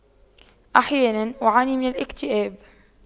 أحيانا أعاني من الاكتئاب